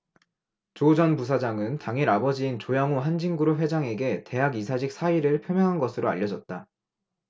조 전 부사장은 당일 아버지인 조양호 한진그룹 회장에게 대학 이사직 사의를 표명한 것으로 알려졌다